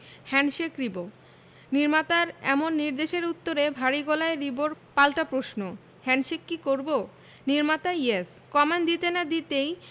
handshake Ribo নির্মাতার এমন নির্দেশের উত্তরে ভারী গলায় রিবোর পাল্টা প্রশ্ন হ্যান্ডশেক কি করবো নির্মাতা ইয়েস কমান্ড দিতে না দিতেই